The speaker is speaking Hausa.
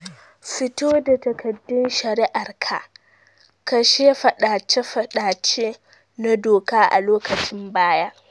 Fito da takaddun shari’ar ka: Kashe fadace-fadace na doka a lokacin baya.